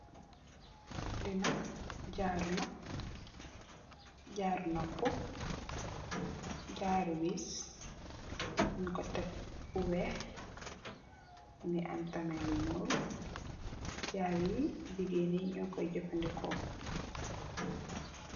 Li nak jaaru la jaaru noppa jaaru wess nyun ko tek fu weex mongi am tame lu ñuul jaaru yi jigeen mo koi jefendeko.